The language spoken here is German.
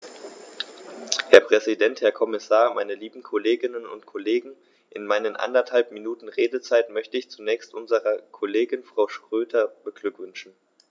Herr Präsident, Herr Kommissar, meine lieben Kolleginnen und Kollegen, in meinen anderthalb Minuten Redezeit möchte ich zunächst unsere Kollegin Frau Schroedter beglückwünschen.